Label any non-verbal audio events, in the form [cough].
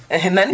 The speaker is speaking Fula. [laughs] nani